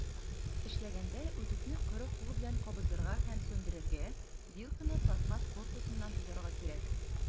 Эшләгәндә, үтүкне коры кул белән кабызырга һәм сүндерергә, вилканы пластмасс корпусыннан тотарга кирәк.